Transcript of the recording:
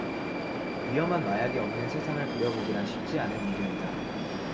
위험한 마약이 없는 세상을 그려 보기란 쉽지 않은 일입니다